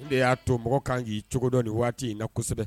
E y'a to mɔgɔ kan k'i cogo dɔ ni waati in na kosɛbɛ